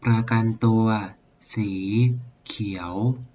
ประกันตัวสีเขียว